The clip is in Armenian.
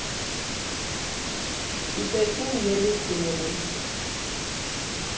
Ստիպեցին ելույթ ունենամ։